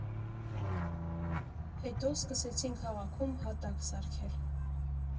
Հետո սկսեցին քաղաքում հատակ սարքել։